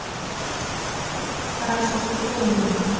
хорошо что ты умная